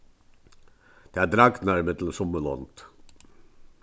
tað dragnar ímillum summi lond